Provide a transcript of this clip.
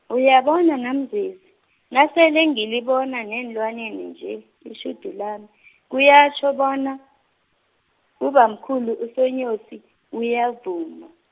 uyabona NaMzwezi, nasele ngilibona neenlwalweni nje, itjhudu lami, kuyatjho bona, ubamkhulu uSoNyosi, uyavuma.